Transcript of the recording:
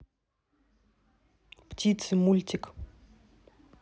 птицы мультик